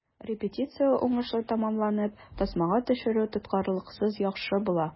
Репетиция уңышлы тәмамланып, тасмага төшерү тоткарлыксыз яхшы була.